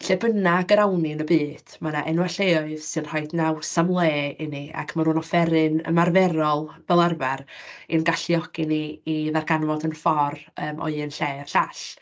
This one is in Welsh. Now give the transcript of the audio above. Lle bynnag yr awn ni yn y byd, mae 'na enwau lleoedd sy'n rhoid naws am le i ni, ac maen nhw'n offeryn ymarferol fel arfer, i'n galluogi ni i ddarganfod ein ffordd yym o un lle i'r llall.